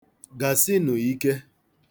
Gasi nụ ike.